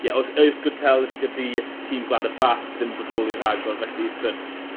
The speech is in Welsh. Ie os- Euskaltel–Euskadi tîm Gwlad y Basg ddim bodoli rhagor felly t'wod